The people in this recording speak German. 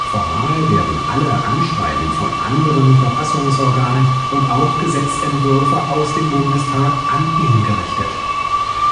Formal werden alle Anschreiben von anderen Verfassungsorganen und auch Gesetzentwürfe aus dem Bundestag an ihn gerichtet.